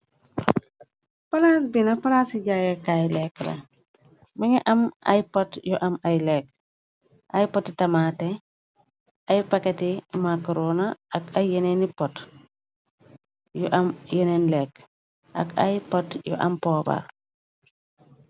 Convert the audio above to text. Palaas bina palaasi jayakaay lekk la më ngi am ay pot yu am ay lekk ay poti tamaaté ay pakati macrona ak ay yeneeni pot yu am yeneen lekg ak ay pot yu am poobar.